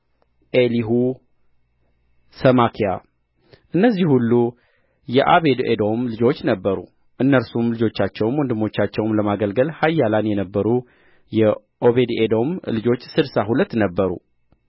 ኤልሁ ሰማክያ እነዚህ ሁሉ የዖቤድኤዶም ልጆች ነበሩ እነርሱም ልጆቻቸውም ወንድሞቻቸውም ለማገልገል ኃያላን የነበሩ የዖቤድኤዶም ልጆች ስድሳ ሁለት ነበሩ